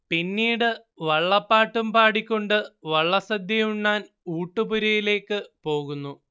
പിന്നീട് വള്ളപ്പാട്ടും പാടിക്കൊണ്ട് വള്ളസദ്യ ഉണ്ണാൻ ഊട്ടുപുരയിലേയ്ക്ക് പോകുന്നു